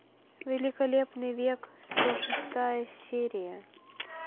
великолепный век сто шестая серия